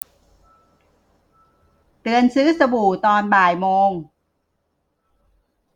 เตือนซื้อสบู่ตอนบ่ายโมง